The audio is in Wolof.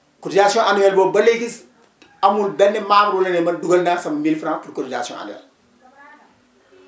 cotisation annuelle boobu ba léegi amul benn membre bu la ne man dugal naa sama 1000F pour cotisation annuelle